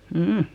mm